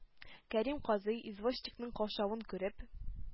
Кәрим казый, извозчикның каушавын күреп